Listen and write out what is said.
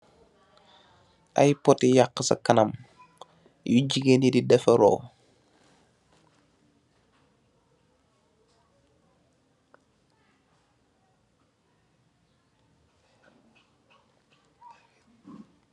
Aiiy pohti yaakue sa kanam yu gigain yii dii dehfaroh.